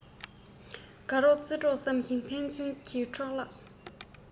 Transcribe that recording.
དགའ རོགས རྩེད གྲོགས བསམ ཞིང ཕན ཚུན གྱི འཕྲོ བརླག